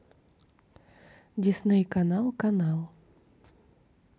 дисней канал канал